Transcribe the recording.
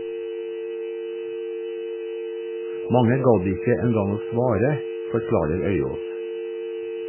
Mange gadd ikke engang å svare, forklarer Øyaas.